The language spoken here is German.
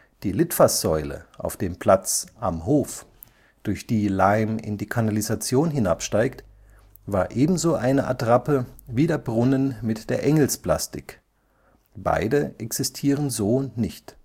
Die Litfaßsäule auf dem Platz Am Hof, durch die Lime in die Kanalisation hinabsteigt, war ebenso eine Attrappe wie der Brunnen mit der Engelsplastik; beide existieren so nicht